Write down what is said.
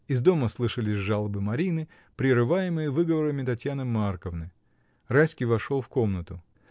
Из дома слышались жалобы Марины, прерываемые выговорами Татьяны Марковны. Райский вошел в комнату.